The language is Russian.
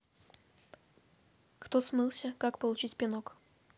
кто смылся как получить пинок